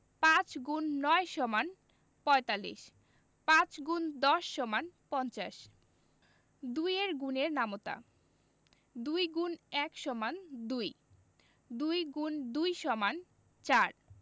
৫x ৯ = ৪৫ ৫×১০ = ৫০ ২ এর গুণের নামতা ২ X ১ = ২ ২ X ২ = ৪